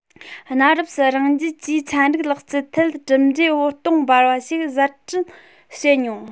གནའ རབས སུ རང རྒྱལ གྱིས ཚན རིག ལག རྩལ ཐད གྲུབ འབྲས འོད སྟོང འབར བ ཞིག གསར སྐྲུན བྱེད མྱོང